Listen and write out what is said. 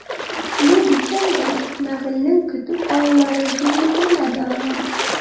Ни дисәң дә Исмәгыйлен көтеп алулары җиңел булмады аңа.